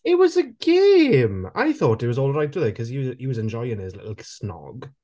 It was a game! I thought he was all right with it cos he was he was enjoying his little k- snog.